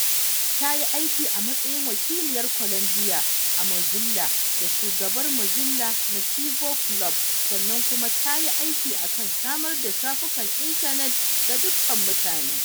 Ta yi aiki a matsayin Wakiliyar Columbia a Mozilla da Shugabantar Mozilla Nativo Club sannan kuma ta yi aiki a kan samar da shafukan intanet ga dukkanin mutane.